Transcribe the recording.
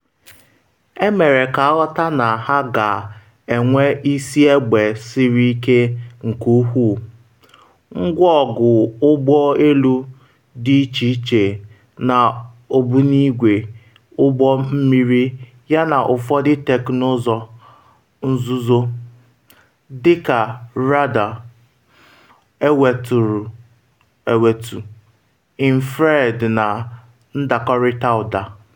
Emere ka aghọta na ha ga-enwe isi egbe siri ike nke ukwuu, ngwa ọgụ ụgbọ elu dị iche iche na ogbunigwe ụgbọ mmiri yana ụfọdụ teknụzụ nzuzo, dị ka radar eweturu ewetu, infrared na ndakọrịta ụda.